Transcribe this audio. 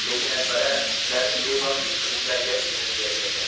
lekin akbara ularning beboshlik qilishlariga izn bermaydi